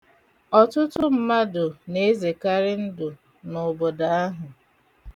Ọtụtụ mmadụ na-ezekarị ndụ n'obodo ahụ.